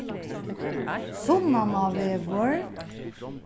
sunnanávegur